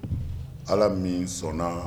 Ala min sɔnna